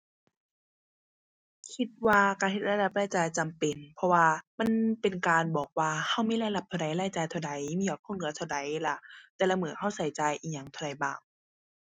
คิดว่าการเฮ็ดรายรับรายจ่ายจำเป็น เพราะว่ามันเป็นการบอกว่าเรามีรายรับเท่าใด รายจ่ายเท่าใด มียอดคงเหลือเท่าใดล่ะ แต่ละมื้อเราเราจ่ายอิหยัง เท่าใดบ้าง